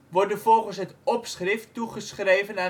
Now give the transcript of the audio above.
worden volgens het opschrift toegeschreven